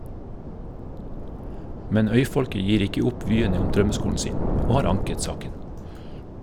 Men øyfolket gir ikke opp vyene om drømmeskolen sin, og har anket saken.